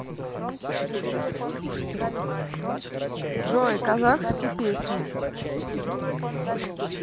джой казахские песни